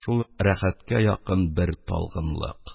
Шулай рәхәткә якын бер талгынлык.